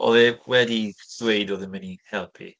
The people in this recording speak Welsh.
Oedd e wedi dweud oedd e'n mynd i helpu.